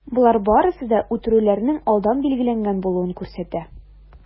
Болар барысы да үтерүләрнең алдан билгеләнгән булуын күрсәтә.